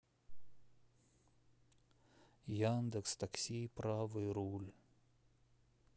яндекс такси правый руль